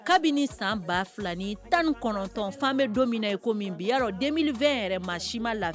Kabini san 2019 fɔ an bɛ don minna, i ko min bi yarɔ 2020 yɛrɛ ma si ma la